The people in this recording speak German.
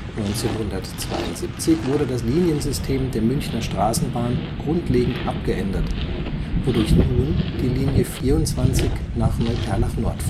1972 wurde das Liniensystem der Münchner Straßenbahn grundlegend abgeändert, wodurch nun die Linie 24 nach Neuperlach Nord